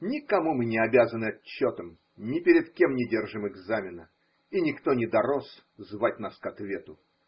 Никому мы не обязаны отчетом, ни перед кем не держим экзамена, и никто не дорос звать нас к ответу.